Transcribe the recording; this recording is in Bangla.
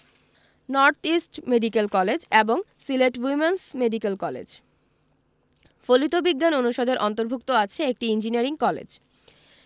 নর্থ ইস্ট মেডিকেল কলেজ এবং সিলেট উইম্যানস মেডিকেল কলেজ ফলিত বিজ্ঞান অনুষদের অন্তর্ভুক্ত আছে একটি ইঞ্জিনিয়ারিং কলেজ